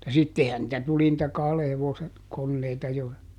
mutta sittenhän niitä tuli niitä kahden hevosen koneita jo